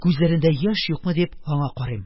Күзләрендә яшь юкмы дип, ана карыйм.